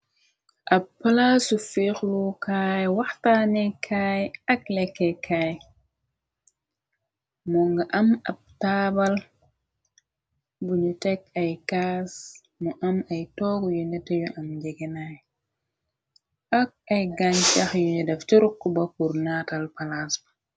Ab palaas su fiixlukaay, waxtaane kaay, ak lekkee kaay, moo nga am ab taabal buñu tekk ay kaas, mu am ay toog yu nete yu am njegenaay, ak ay gancax yunu daf ci rokk bakkur naatal palaas ba.